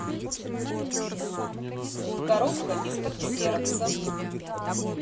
коробка из под ксерокса